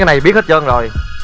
này biết hết trơn rồi